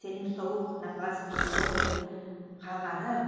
sening sovuqnafas futurologing qag'illab